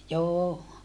joo